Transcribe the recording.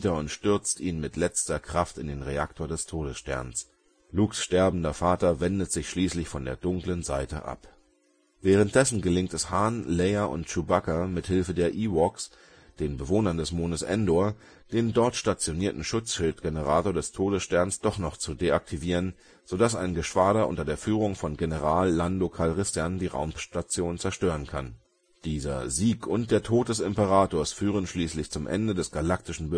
und stürzt ihn mit letzter Kraft in den Reaktor des Todessterns. Lukes sterbender Vater wendet sich schließlich von der dunklen Seite ab. Währenddessen gelingt es Han, Leia und Chewbacca mit Hilfe der Ewoks, den Bewohnern des Mondes Endor, den dort stationierten Schutzschildgenerator des Todesterns doch noch zu deaktivieren, sodass ein Geschwader unter Führung von General Lando Calrissian die Raumstation zerstören kann. Dieser Sieg und der Tod des Imperators führen schließlich zum Ende des galaktischen